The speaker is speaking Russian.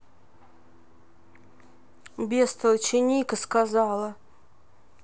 бестолочи ника сказала